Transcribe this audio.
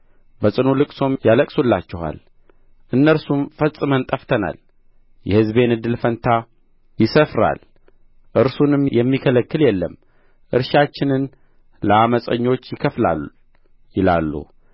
በጽኑ ልቅሶም ያለቅሱላችኋል እነርሱም ፈጽመን ጠፍተናል የሕዝቤን እድል ፈንታ ይሰፍራል እርሱንም የሚከለክል የለም እርሻችንን ለዓመፀኞች ይከፍላል ይላሉ